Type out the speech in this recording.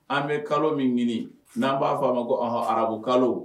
An bɛ kalo min ɲini n'an b'a f' a ma ko hɔn arabu kalo